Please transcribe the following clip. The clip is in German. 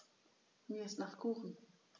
Mir ist nach Kuchen.